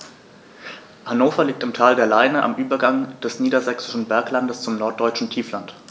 Hannover liegt im Tal der Leine am Übergang des Niedersächsischen Berglands zum Norddeutschen Tiefland.